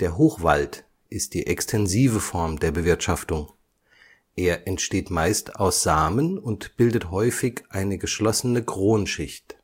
Hochwald ist die extensive Form der Bewirtschaftung. Er entsteht meist aus Samen und bildet häufig eine geschlossene Kronschicht